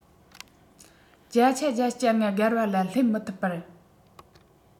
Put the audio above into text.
བརྒྱ ཆ ༨༥ བརྒལ བ ལ སླེབས མི ཐུབ པར